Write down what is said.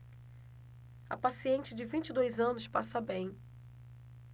a paciente de vinte e dois anos passa bem